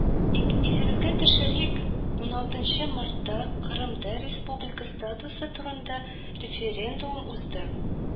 Исегезгә төшерик: 16 нчы мартта Кырымда республика статусы турында референдум узды